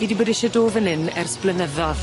Fi 'di bod isie dod fan 'yn ers blynyddodd.